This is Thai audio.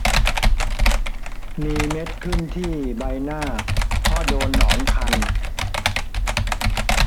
มีเม็ดขึ้นที่ใบหน้าเพราะโดนหนอนคัน